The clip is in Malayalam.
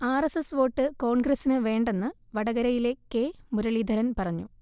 ആർ എസ് എസ് വോട്ട് കോൺഗ്രസിന് വേണ്ടെന്ന് വടകരയിലെ കെ മുരളീധരൻ പറഞ്ഞു